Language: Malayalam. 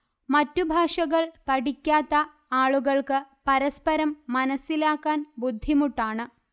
മറ്റുഭാഷകൾ പഠിക്കാത്ത ആളുകൾക്ക് പരസ്പരം മനസ്സിലാക്കാൻ ബുദ്ധിമുട്ടാണ്